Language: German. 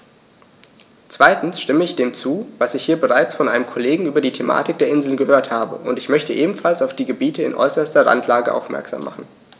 Zweitens stimme ich dem zu, was ich hier bereits von einem Kollegen über die Thematik der Inseln gehört habe, und ich möchte ebenfalls auf die Gebiete in äußerster Randlage aufmerksam machen.